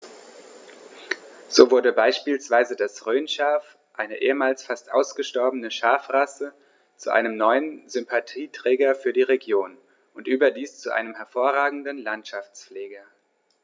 So wurde beispielsweise das Rhönschaf, eine ehemals fast ausgestorbene Schafrasse, zu einem neuen Sympathieträger für die Region – und überdies zu einem hervorragenden Landschaftspfleger.